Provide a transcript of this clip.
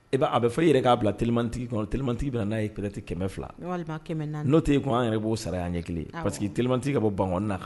E a bɛ fɛ i yɛrɛ k'a bila ttigi ttigi bɛ bɛna n'a ye ptɛ kɛmɛ fila n'o tɛ yen kun an yɛrɛ b'o sara an ɲɛ kelen pa que t tetigi ka bɔ banɔn na kan